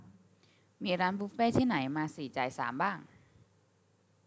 มีร้านบุฟเฟต์ที่ไหนมาสี่จ่ายสามบ้าง